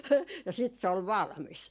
ja sitten se oli valmis